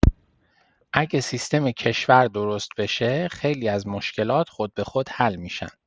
اگه سیستم کشور درست بشه، خیلی از مشکلات خودبه‌خود حل می‌شن.